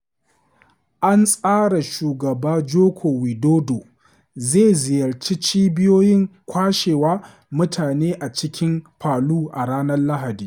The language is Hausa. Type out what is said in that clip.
An tsara Shugaba Joko Widodo zai ziyarci cibiyoyin kwashewa mutane a cikin Palu a ranar Lahadi.